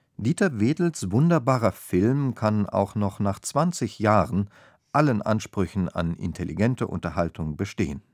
Dieter Wedels wunderbarer Film kann auch noch nach zwanzig Jahren allen Ansprüchen an intelligente Unterhaltung bestehen